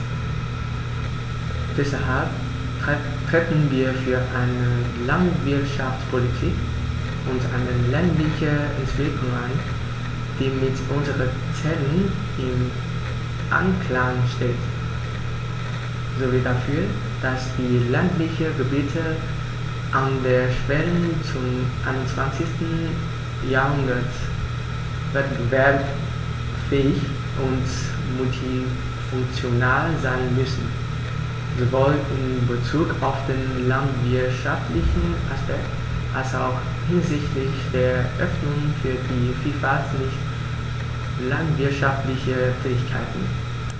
Deshalb treten wir für eine Landwirtschaftspolitik und eine ländliche Entwicklung ein, die mit unseren Zielen im Einklang steht, sowie dafür, dass die ländlichen Gebiete an der Schwelle zum 21. Jahrhundert wettbewerbsfähig und multifunktional sein müssen, sowohl in Bezug auf den landwirtschaftlichen Aspekt als auch hinsichtlich der Öffnung für die Vielfalt nicht landwirtschaftlicher Tätigkeiten.